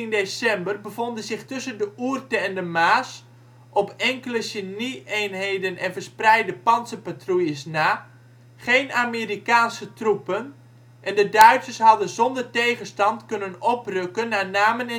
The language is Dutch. december bevonden zich tussen de Ourthe en de Maas, op enkele genie-eenheden en verspreide pantserpatrouilles na, geen Amerikaanse troepen en de Duitsers hadden zonder tegenstand kunnen oprukken naar Namen